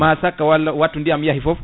ma sakka walla wattu ndiyam yaahi foof